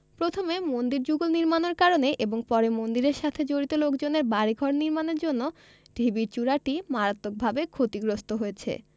প্রথমে মন্দির যুগল নির্মাণের কারণে এবং পরে মন্দিরের সাথে জড়িত লোকজনের বাড়ি ঘর নির্মাণের জন্য ঢিবির চূড়াটি মারাত্মকভাবে ক্ষতিগ্রস্ত হয়েছে